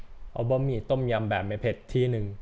เอาบะหมี่ต้มยำแบบไม่เผ็ดที่นึง